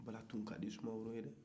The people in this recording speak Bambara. balo tun kadi soumaworo ye